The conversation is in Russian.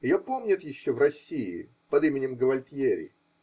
Ее помнят еще в России под именем Гвальтьери.